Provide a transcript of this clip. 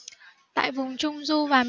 tại vùng trung du và